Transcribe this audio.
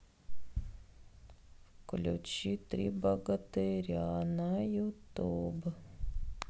включи три богатыря на ютуб